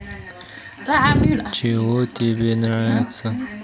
чего тебе нравится